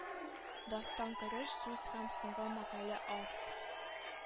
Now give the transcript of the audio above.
Дастан кереш сүз һәм соңгы макәлә авт